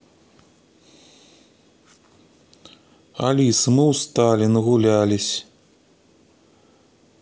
алиса мы устали нагулялись